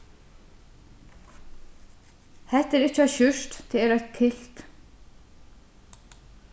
hetta er ikki eitt skjúrt tað er eitt kilt